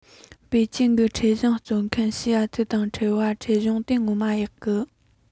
པེ ཅིང གི འཁྲབ གཞུང རྩོམ མཁན ཞི ཡ ཐུའི དང འཕྲད པའི ཁྲབ གཞུང དེ ངོ མ ཡག གི